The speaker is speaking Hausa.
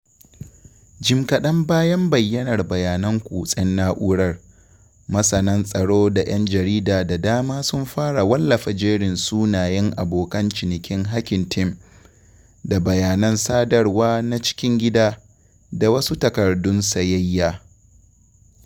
Jim-kaɗan bayan bayyanar bayanan kutsen na'urar, masana tsaro da ‘yan jarida da dama sun fara wallafa jerin sunayen abokan cinikin Hacking Team, da bayanan sadarwa na cikin gida, da wasu takardun sayayya.